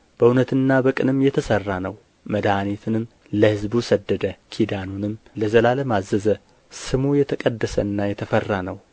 በእውነትና በቅንም የተሠራ ነው መድኃኒትንም ለሕዝቡ ሰደደ ኪዳኑንም ለዘላለም አዘዘ ስሙ የተቀደሰና የተፈራ ነው